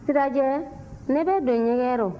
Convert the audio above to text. sirajɛ ne bɛ don ɲɛgɛn rɔ